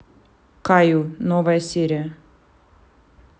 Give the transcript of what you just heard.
каю новая серия